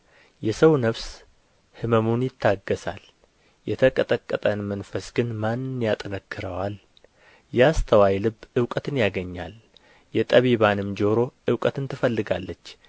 የሰው ነፍስ ሕመሙን ይታገሣል የተቀጠቀጠን መንፈስ ግን ማን ያጠንክረዋል የአስተዋይ ልብ እውቀትን ያገኛል የጠቢባንም ጆሮ እውቀትን ትፈልጋለች